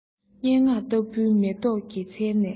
སྙན ངག ལྟ བུའི མེ ཏོག གི ཚལ ནས